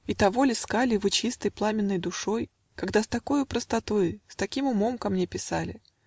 И того ль искали Вы чистой, пламенной душой, Когда с такою простотой, С таким умом ко мне писали?